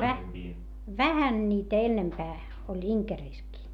- vähän niitä enempää oli Inkerissäkin